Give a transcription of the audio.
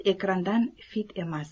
ekrandan fid emas